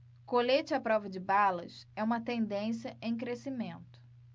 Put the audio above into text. colete à prova de balas é uma tendência em crescimento